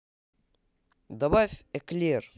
добавь эклер